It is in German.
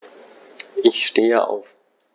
Ich stehe auf.